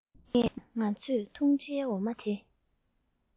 ངས ང ཚོས བཏུང བྱའི འོ མ དེ